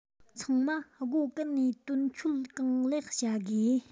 ཚང མ སྒོ ཀུན ནས དོན འཁྱོལ གང ལེགས བྱ དགོས